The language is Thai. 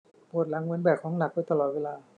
ปวดหลังเหมือนแบกหนักของไว้ตลอดเวลา